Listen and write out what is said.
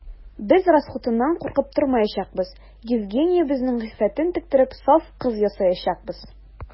Без расхутыннан куркып тормаячакбыз: Евгениябезнең гыйффәтен тектереп, саф кыз ясаячакбыз.